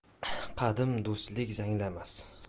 qadim do'stlik zanglamas